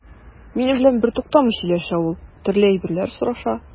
Минем белән бертуктамый сөйләшә ул, төрле әйберләр сораша.